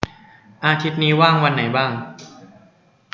อาทิตย์นี้ว่างวันไหนบ้าง